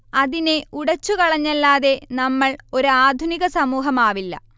അതിനെ ഉടച്ചു കളഞ്ഞല്ലാതെ നമ്മളൊരു ആധുനിക സമൂഹമാവില്ല